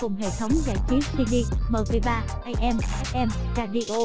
cùng hệ thống giải trí cdmp am fm radio